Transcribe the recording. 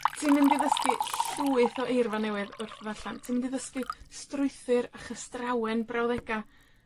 Ti'n mynd i ddysgu llwyth o eirfa newydd wrth ddarllan. Ti'n mynd i ddysgu strwythur a chystrawen brawddega'